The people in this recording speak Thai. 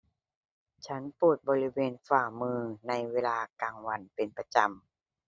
ฉันปวดบริเวณฝ่ามือในเวลากลางวันเป็นประจำ